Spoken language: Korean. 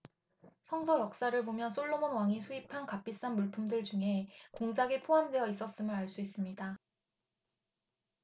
성서 역사를 보면 솔로몬 왕이 수입한 값비싼 물품들 중에 공작이 포함되어 있었음을 알 수 있습니다